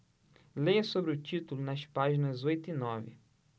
leia sobre o título nas páginas oito e nove